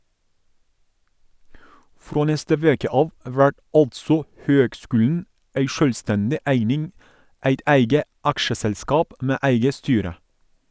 Frå neste veke av vert altså høgskulen ei sjølvstendig eining, eit eige aksjeselskap med eige styre.